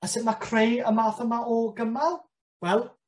A sut ma' creu y math yma o gymal? Wel,